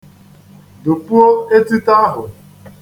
Dụpuo etuto ahụ.